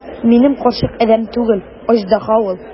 Минем карчык адәм түгел, аждаһа ул!